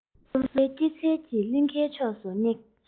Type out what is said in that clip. སློབ རའི སྐྱེད ཚལ གྱི གླིང གའི ཕྱོགས སུ སྙེག